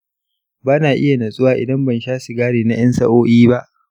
ba na iya natsuwa idan ban sha sigari na 'yan sa'o'i ba.